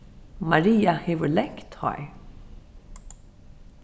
maria hevur langt hár